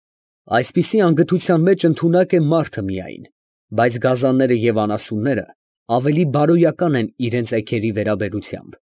Այսպիսի անգթության մեջ ընդունակ է մարդը միայն, բայց գազանները և անասունները ավելի բարոյական են իրանց էգերի վերաբերությամբ։